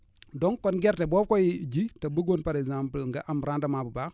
donc kon gerte boo koy ji te bëggoon par exemple nga am rendement bu baax